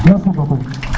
merci beaucoup=fra